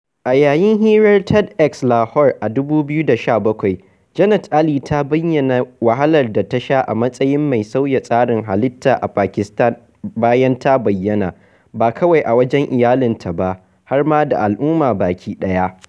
A yayin hirar TEDxLahore a 2017, Jannat Ali ta bayyana wahalar da ta sha a matsayin mai sauya tsarin halitta a Pakistan bayan ta bayyana, ba kawai a wajen iyalinta ba, har ma da al'umma bakiɗaya.